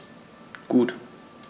Gut.